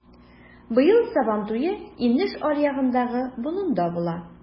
Быел Сабантуе инеш аръягындагы болында була.